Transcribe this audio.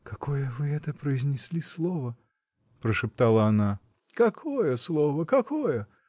-- Какое вы это произнесли слово! -- прошептала она. -- Какое слово, какое?